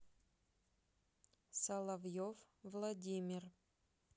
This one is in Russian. соловьев владимир